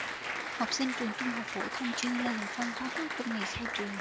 học sinh trường trung học phổ thông chuyên lê hồng phong háo hức trong ngày khai trường